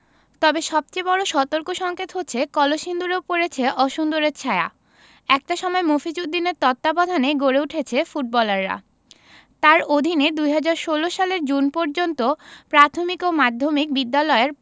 তবে সবচেয়ে বড় সতর্কসংকেত হচ্ছে কলসিন্দুরেও পড়েছে অসুন্দরের ছায়া একটা সময় মফিজ উদ্দিনের তত্ত্বাবধানেই গড়ে উঠেছে ফুটবলাররা তাঁর অধীনে ২০১৬ সালের জুন পর্যন্ত প্রাথমিক ও মাধ্যমিক বিদ্যালয়ের